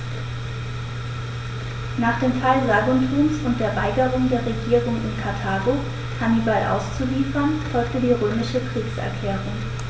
Nach dem Fall Saguntums und der Weigerung der Regierung in Karthago, Hannibal auszuliefern, folgte die römische Kriegserklärung.